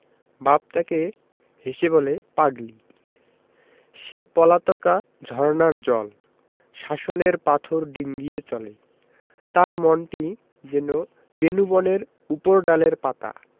বাপ তাকে হেসে বলে পাগলি সে পলাতকা ঝরনার জল শাসনের পাথর ডিঙ্গিয়ে চলে তার মনটি যেন বেনূবনের উপরডালের পাতা